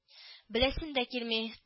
—беләсем дә килми